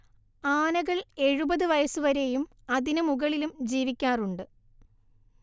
ആനകൾ എഴുപത് വയസ്സ് വരെയും അതിനു ‍മുകളിലും ജീവിക്കാറുണ്ട്